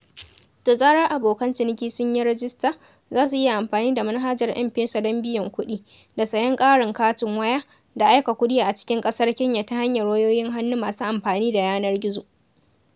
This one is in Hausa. Da zarar abokan ciniki sun yi rajista, za su iya amfani da manhajar M-Pesa don biyan kuɗi, da sayen ƙarin katin waya, da aika kuɗi a cikin ƙasar Kenya ta hanyar wayoyin hannu masu amfani da yanar gizo